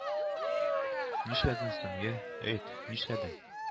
Нишләдең соң, я әйт, нишләдең